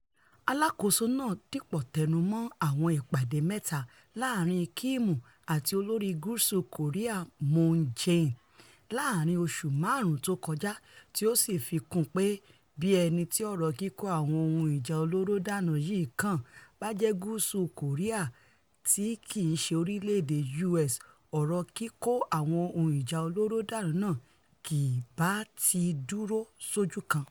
Aláàkóso náà dípò tẹnumọ́ àwọn ìpàdé mẹ́ta láàrin Kim àti olóri Gúúsù Kòríà Moon Jae-in láàrin oṣù máàrún tókọjá tí ó sì fi kún uń pé: Bí ẹniti ọ̀rọ̀ kíkó àwọn ohun ìjà olóró dànù yìí kàn bájẹ̵́ Gúúsù Kòríà tí kìí ṣe orílẹ̀-èdè U.S., ọ̀rọ̀ kíkó àwọn ohun ìjà olóró dànù náà kì bátí dúró sójú kan.